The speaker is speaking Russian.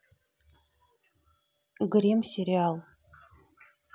грим сериал